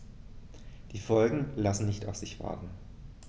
Die Folgen lassen nicht auf sich warten.